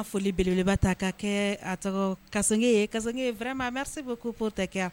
N'a foli beleba ta ka kɛ a tɔgɔ kasange ye ka wɛrɛmameri bɛ koota kɛ